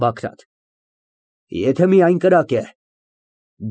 ԲԱԳՐԱՏ ֊ Եթե միայն կրակ է։